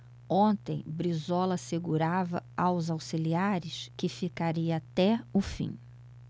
ontem brizola assegurava aos auxiliares que ficaria até o fim